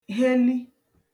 heli